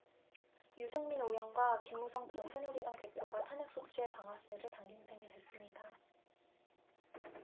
유승민 의원과 김무성 전 새누리당 대표가 탄핵소추의 방아쇠를 당긴 셈이 됐습니다